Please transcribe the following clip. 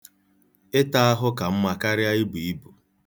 Ịta ahụ ka mma karịa ibu ibu.